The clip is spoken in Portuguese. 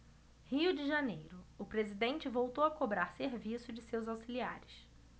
rio de janeiro o presidente voltou a cobrar serviço de seus auxiliares